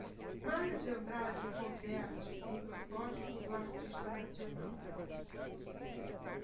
mário de andrade o converte em protótipo do artista nacional